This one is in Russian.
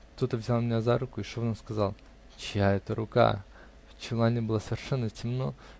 Кто-то взял меня за руку и шепотом сказал: "Чья это рука?" В чулане было совершенно темно